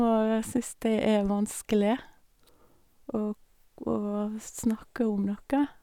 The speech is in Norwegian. Og jeg syns det er vanskelig å ko å snakke om noe.